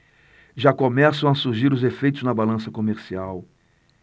já começam a surgir os efeitos na balança comercial